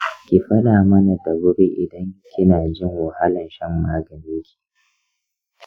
ki faɗa mana da wuri idan kina jin wahalan shan maganinki.